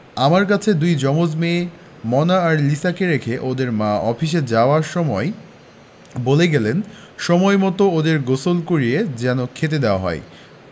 আমার কাছে দুই জমজ মেয়ে মোনা আর লিসাকে রেখে ওদের মা অফিসে যাবার সময় বলে গেলেন সময়মত ওদের গোসল করিয়ে যেন খেতে দেওয়া হয়